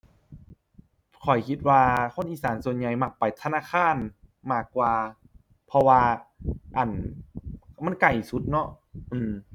ข้อยคิดว่าคนอีสานส่วนใหญ่มักไปธนาคารมากกว่า เพราะว่า อั่น มันใกล้สุดเนาะ อื้อ